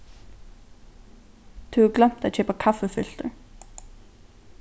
tú hevur gloymt at keypa kaffifiltur